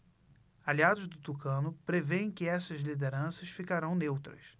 aliados do tucano prevêem que essas lideranças ficarão neutras